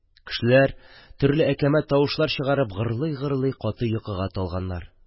Кешеләр төрле әкәмәт тавышлар чыгарып гырлый-гырлый каты йокыга талганнар.